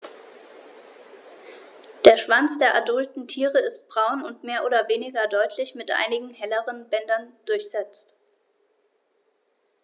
Der Schwanz der adulten Tiere ist braun und mehr oder weniger deutlich mit einigen helleren Bändern durchsetzt.